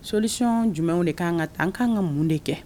Solution jumɛnw de ka kan ka taa ? An k’an ka mun de kɛ?